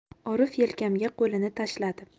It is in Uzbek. orif yelkamga qo'lini tashladi